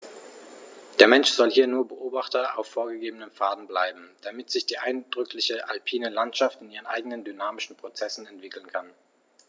Der Mensch soll hier nur Beobachter auf vorgegebenen Pfaden bleiben, damit sich die eindrückliche alpine Landschaft in ihren eigenen dynamischen Prozessen entwickeln kann.